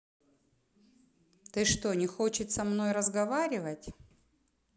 ты что не хочеться мной разговаривать